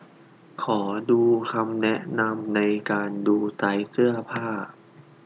ขอดูคำแนะนำในการดูไซส์เสื้อผ้า